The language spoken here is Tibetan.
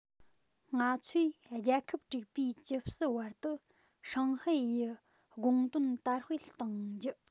ང ཚོས རྒྱལ ཁབ དྲུག པོས ཇི སྲིད བར དུ ཧྲང ཧའེ ཡི དགོངས དོན དར སྤེལ བཏང རྒྱུ